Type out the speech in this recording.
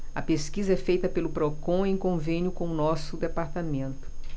a pesquisa é feita pelo procon em convênio com o diese